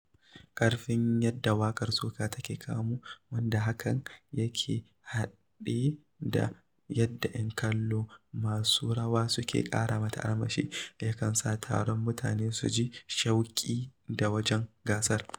ƙarfin yadda waƙar soca take kamu, wanda hakan yake haɗe da yadda 'yan kallo masu rawa suke ƙara mata armashi, yakan sa taron mutanen su ji shauƙi a wajen gasar.